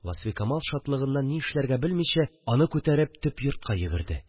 Васфикамал, шатлыгыннан ни эшләргә белмичә, аны күтәреп төп йортка йөгерде